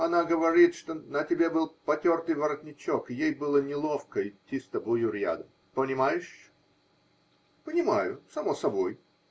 -- Она говорит, что на тебе был потертый воротничек и ей было неловко идти с тобою рядом. Понимаешь? -- Понимаю. Само собой.